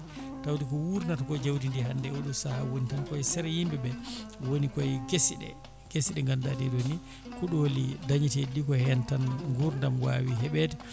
tawde ko wurnata ko jawdi ndi hande e oɗo saaha woni tan koye saara yimɓeɓe woni koye guese ɗe guese ɗe ganduɗa ɗeɗo ni kuuɗoi dañeteɗi ɗi ko hen gurdam wawi heeɓede